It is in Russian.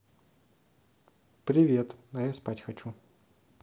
привет а я спать хочу